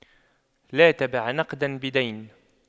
لا تبع نقداً بدين